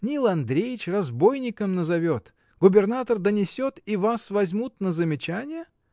Нил Андреич разбойником назовет, губернатор донесет и вас возьмут на замечание?.